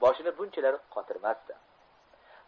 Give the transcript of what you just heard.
boshini bunchalar qotirmasdi